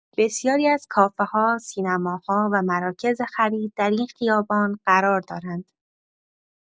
بسیاری از کافه‌ها، سینماها و مراکز خرید در این خیابان قرار دارند.